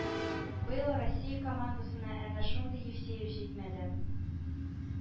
Быел Россия командасына әнә шундый Евсеев җитмәде.